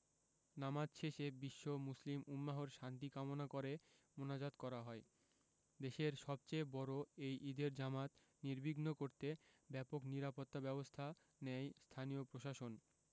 নামাজ শেষে বিশ্ব মুসলিম উম্মাহর শান্তি কামনা করে মোনাজাত করা হয় দেশের সবচেয়ে বড় এই ঈদের জামাত নির্বিঘ্ন করতে ব্যাপক নিরাপত্তাব্যবস্থা নেয় স্থানীয় প্রশাসন